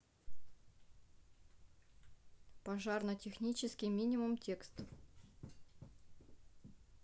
пожарно технический минимум текст